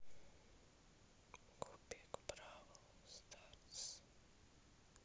купик бравл старс